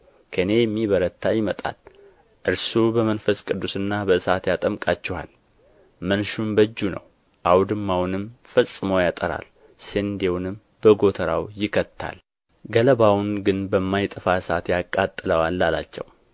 ከእኔ የሚበረታ ይመጣል እርሱ በመንፈስ ቅዱስና በእሳት ያጠምቃችኋል መንሹም በእጁ ነው አውድማውንም ፈጽሞ ያጠራል ስንዴውንም በጎተራው ይከታል ገለባውን ግን በማይጠፋ እሳት ያቃጥለዋል አላቸው